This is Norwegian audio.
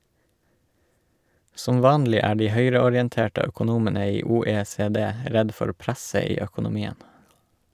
Som vanlig er de høyreorienterte økonomene i OECD redd for «presset» i økonomien.